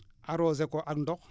arroser ko ak ndox